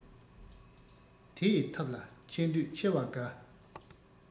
དེ ཡི ཐབས ལ ཆེ འདོད ཆེ བ དགའ